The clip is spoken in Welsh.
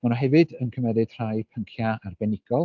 Maen nhw hefyd yn cymeryd rhai pynciau arbenigol.